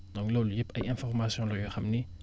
donc loolu yépp ay informations la yoo xam ni